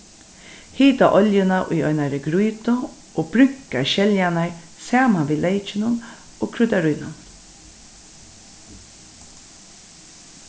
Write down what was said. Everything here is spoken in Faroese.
hita oljuna í einari grýtu og brúnka skeljarnar saman við leykinum og kryddaríunum